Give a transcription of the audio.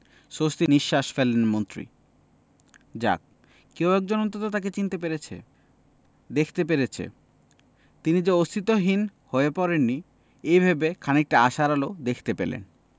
স্বস্তির নিশ্বাস ফেললেন মন্ত্রী যাক কেউ একজন অন্তত তাঁকে চিনতে পেরেছে দেখতে পেরেছে তিনি যে অস্তিত্বহীন হয়ে পড়েননি এই ভেবে খানিকটা আশার আলো দেখতে পেলেন